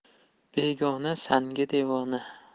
begona sangi devona